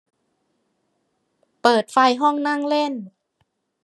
เปิดไฟห้องนั่งเล่น